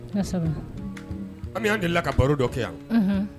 An bɛ'an deli la ka baro dɔ kɛ yan